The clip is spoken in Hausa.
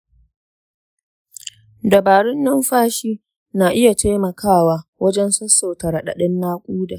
dabarun numfashi na iya taimakawa wajen sassauta raɗaɗin naƙuda